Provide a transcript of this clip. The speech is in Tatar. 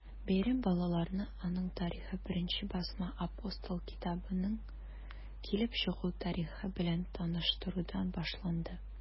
Бәйрәм балаларны аның тарихы, беренче басма “Апостол” китабының килеп чыгу тарихы белән таныштырудан башланды.